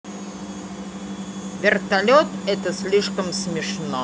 вертолет это слишком смешно